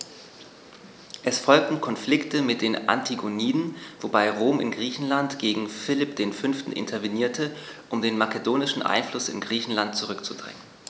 Es folgten Konflikte mit den Antigoniden, wobei Rom in Griechenland gegen Philipp V. intervenierte, um den makedonischen Einfluss in Griechenland zurückzudrängen.